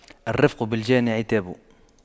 الرفق بالجاني عتاب